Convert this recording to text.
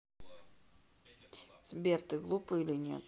сбер ты глупый или нет